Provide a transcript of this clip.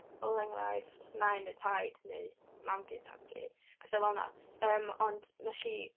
Fel enghraifft nain neu taid neu mamgu tad cu, petha fel 'na. Yym, ond wnes i...